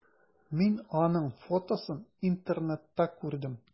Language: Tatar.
Мин аның фотосын интернетта күрдем.